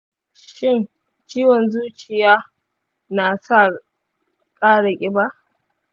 shin ciwon zuciya na sa kara kiba?